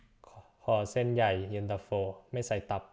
ขอเส้นใหญ่เย็นตาโฟไม่ใส่ตับ